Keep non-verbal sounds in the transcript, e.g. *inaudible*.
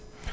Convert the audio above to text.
*hesitation* *hesitation*